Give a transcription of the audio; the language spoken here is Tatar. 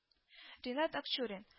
Ренат Акчурин: